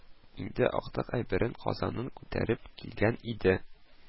Инде актык әйберен – казанын күтәреп килгән иде